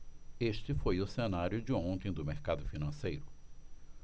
este foi o cenário de ontem do mercado financeiro